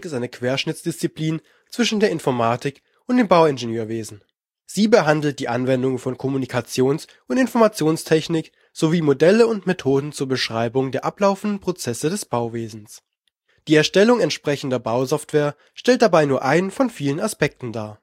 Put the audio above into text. eine Querschnittsdisziplin zwischen der Informatik und dem Bauingenieurwesen. Sie behandelt die Anwendung von Kommunikations - und Informationstechnik sowie Modelle und Methoden zur Beschreibung der ablaufenden Prozesse des Bauwesens. Die Erstellung entsprechender Bausoftware stellt dabei nur einen von vielen Aspekten dar